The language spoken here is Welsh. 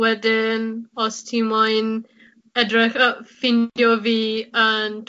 Wydyn os ti moyn edrych yy ffindio fi yn